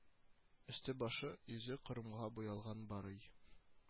Өсте-башы, йөзе корымга буялган Барый